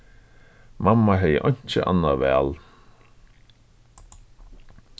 mamma hevði einki annað val